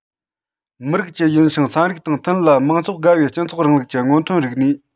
མི རིགས ཀྱི ཡིན ཞིང ཚན རིག དང མཐུན ལ མང ཚོགས དགའ བའི སྤྱི ཚོགས རིང ལུགས ཀྱི སྔོན ཐོན རིག གནས